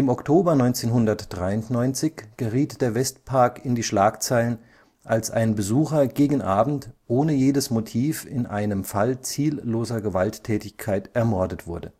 Oktober 1993 geriet der Westpark in die Schlagzeilen, als ein Besucher gegen Abend ohne jedes Motiv in einem Fall zielloser Gewalttätigkeit ermordet wurde